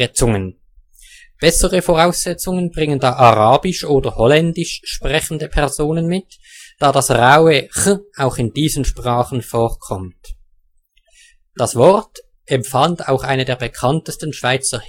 Zungen. Bessere Voraussetzungen bringen da Arabisch oder Holländisch sprechende Personen mit, da das rauhe ch auch in diesen Sprachen vorkommt. Das Wort empfand auch eine der bekanntesten Schweizer